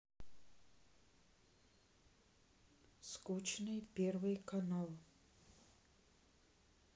скучный первый канал